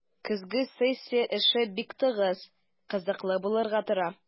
Көзге сессия эше бик тыгыз, кызыклы булырга тора.